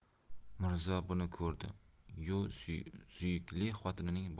mirzo buni ko'rdi yu suyukli xotinining boyagi